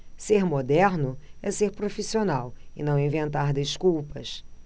ser moderno é ser profissional e não inventar desculpas